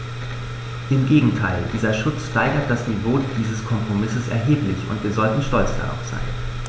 Im Gegenteil: Dieser Schutz steigert das Niveau dieses Kompromisses erheblich, und wir sollten stolz darauf sein.